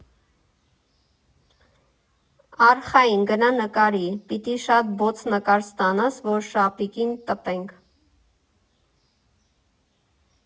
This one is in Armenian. Արխային գնա նկարի, պիտի շատ բոց նկար ստանաս, որ շապիկին տպենք։